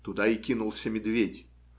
Туда и кинулся медведь.